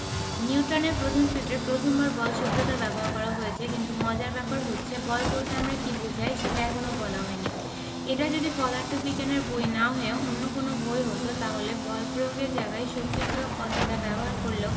নিউটনের প্রথম সূত্রে প্রথমবার বল শব্দটা ব্যবহার করা হয়েছে কিন্তু মজার ব্যাপার হচ্ছে বল বলতে আমরা কী বোঝাই সেটা এখনো বলা হয়নি এটা যদি পদার্থবিজ্ঞানের বই না হয়ে অন্য কোনো বই হতো তাহলে বল প্রয়োগ এর জায়গায় শক্তি প্রয়োগ কথাটা ব্যবহার করলেও